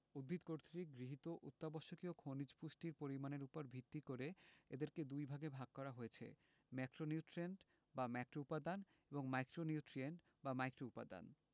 উদ্ভিদ কর্তৃক গৃহীত অত্যাবশ্যকীয় খনিজ পুষ্টির পরিমাণের উপর ভিত্তি করে এদেরকে দুইভাগে ভাগ করা হয়েছে ম্যাক্রোনিউট্রিয়েন্ট বা ম্যাক্রোউপাদান এবং মাইক্রোনিউট্রিয়েন্ট বা মাইক্রোউপাদান